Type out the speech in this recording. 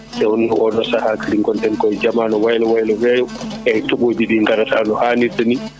e wonno oɗo sahaa kadi gonɗen koye jaamanu waylo waylo weeyo eyyi toɓoji ɗi garata no hannirta ni